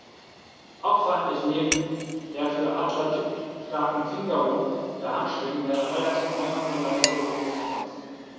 Auffallend ist neben der für Adler typischen starken Fingerung der Handschwingen der relativ lange, nur leicht gerundete Schwanz.